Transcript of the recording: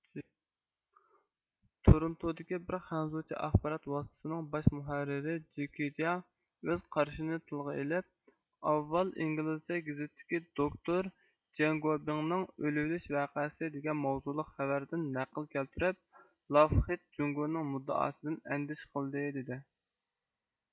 تۇرۇنتۇدىكى بىر خەنزۇچە ئاخبارات ۋاسىتىسىنىڭ باش مۇھەررىرى جېكېجىيا ئۆز قارىشىنى تىلغا ئېلىپ ئاۋۋال ئىنگلىزچە گېزىتتىكى دوكتور جياڭگوبىڭنىڭ ئۆلۈۋېلىش ۋەقەسى دېگەن ماۋزۇلۇق خەۋەردىن نەقىل كەلتۈرۈپ لافخىد جۇڭگونىڭ مۇددىئاسىدىن ئەندىشە قىلدى دېدى